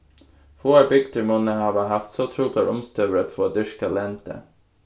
fáar bygdir munnu hava havt so truplar umstøður at fáa dyrkað lendi